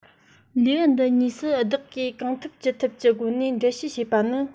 ལེའུ འདི གཉིས སུ བདག གིས གང ཐུབ ཅི ཐུབ ཀྱི སྒོ ནས འགྲེལ བཤད བྱས པ ནི